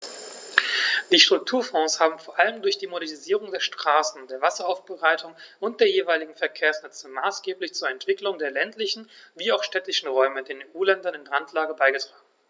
Die Strukturfonds haben vor allem durch die Modernisierung der Straßen, der Wasseraufbereitung und der jeweiligen Verkehrsnetze maßgeblich zur Entwicklung der ländlichen wie auch städtischen Räume in den EU-Ländern in Randlage beigetragen.